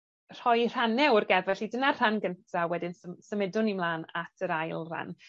rhoi rhanne or gerdd, felly dyna'r rhan gyntaf wedyn sym- symudwn ni mlan at yr ail ran.